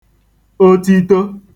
otito